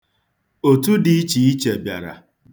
Otu dị iche iche bịara.